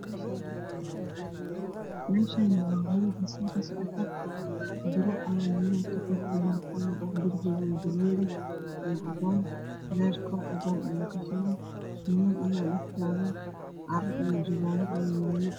Meeshaani waa hool dhismo ka socoto bira ayaa meelaha ka taag taagan oo qalin ah derbiga waa dameeri iyo cadaan leer kor cadaan ayaa ka shidan niman ayaa dhax taagan caro iyo jawaano ayey wadaan